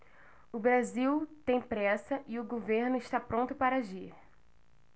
o brasil tem pressa e o governo está pronto para agir